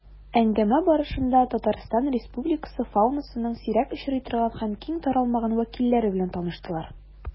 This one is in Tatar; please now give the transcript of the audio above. Әңгәмә барышында Татарстан Республикасы фаунасының сирәк очрый торган һәм киң таралмаган вәкилләре белән таныштылар.